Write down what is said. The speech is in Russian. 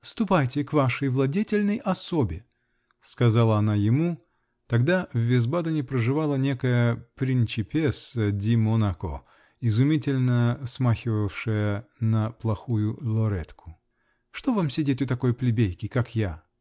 -- Ступайте к вашей владетельной особе, -- сказала она ему (тогда в Висбадене проживала некая принчипесса ди Монако, изумительно смахивавшая на плохуло лоретку), что вам сидеть у такой плебейки, как я.